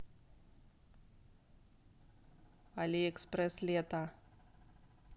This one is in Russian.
алиэкспресс лето